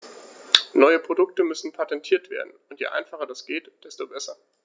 Neue Produkte müssen patentiert werden, und je einfacher das geht, desto besser.